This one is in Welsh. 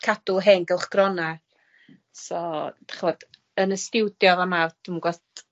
cadw hen gylchgrona so dych ch'mod yn y stiwdio fama dw'm yn g'od